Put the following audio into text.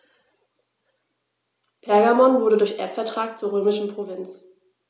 Pergamon wurde durch Erbvertrag zur römischen Provinz.